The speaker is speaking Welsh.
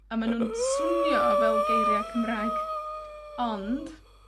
A ma' nw'n swnio fel geiria' Cymraeg, ond